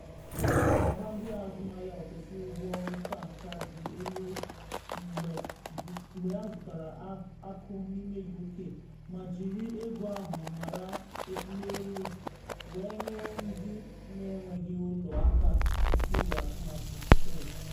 A ga-agba ndị azụmahịa ofesi ụgwọ ọrụ stampụ ka dị elu mgbe ha zụtara akụ n’ime UK ma jiri ego ahụ mara n’elu wee nyere ndị na enweghị ụlọ aka n’okpuru atụmatụ Tory